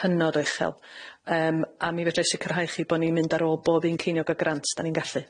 Hynod o uchel, yym a mi fedrai'ch sicrhau chi bo' ni'n mynd ar ôl bob un ceiniog o grant 'dan ni'n gallu.